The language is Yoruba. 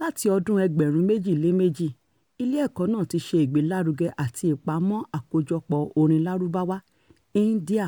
Láti ọdún-un 2002, ilé ẹ̀kọ́ náà ti ṣe ìgbélárugẹ àti ìpamọ́ àkójọpọ̀ orin Lárúbáwá, India